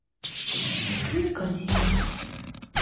открыть корзину